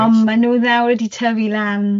ond ma' nhw nawr wedi tyfu lan.